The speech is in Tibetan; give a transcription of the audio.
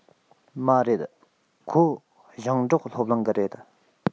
མ རེད ཁོ ཞིང འབྲོག སློབ གླིང གི རེད